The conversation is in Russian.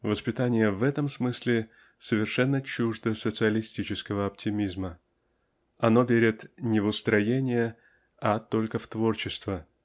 Воспитание в этом смысле совершенно чуждо социалистического оптимизма. Оно верит не в устроение а только в творчество